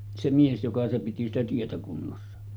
se mies joka piti sitä tietä kunnossa